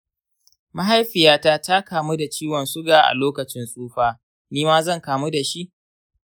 mahaifiyata ta kamu da ciwon suga a lokacin tsufa, nima zan kamu dashi?